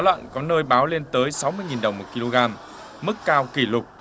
có nơi báo lên tới sáu mươi nghìn đồng một ki lô gam mức cao kỷ lục